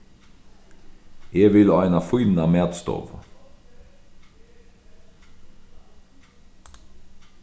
eg vil á eina fína matstovu